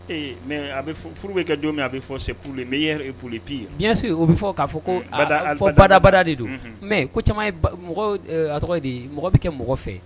Ee mɛ a bɛ furu bɛ kɛ don min a bɛ fɔ se polipii yese o bɛ fɔ k'a fɔ ko fɔ badabada de don mɛ ko caman mɔgɔ a tɔgɔ de ye mɔgɔ bɛ kɛ mɔgɔ fɛ